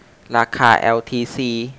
ราคาแอลทีซี